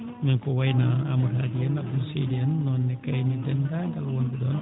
min ko wayi no Amadou Hady en Abdoul Seydi en noon ne kadi e deenndaangal wonɓe ɗoon